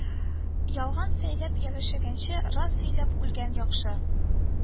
* ялган сөйләп яшәгәнче, рас сөйләп үлгән яхшы